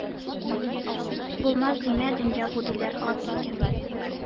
Булмас димә, дөнья бу диләр, хак икән.